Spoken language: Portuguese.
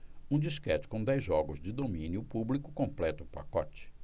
um disquete com dez jogos de domínio público completa o pacote